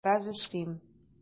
Бераз өстим.